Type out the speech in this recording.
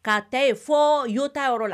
Ka ta yen fɔ U O T A yɔrɔ la.